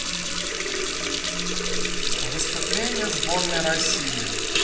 выступление сборной россии